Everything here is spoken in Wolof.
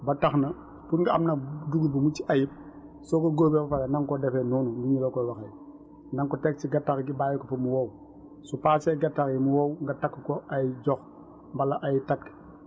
ba tax na pour nga am nag dugub bu mucc ayib soo ko góobee ba pare na nga ko defee noonu nii ñu la koy waxee na nga ko teg si gattax gi bàyyi ko fa mu wow su passé gattax gi mu wow nga takk ko ay jox wala ay takk